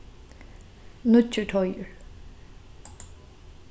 nýggjur teigur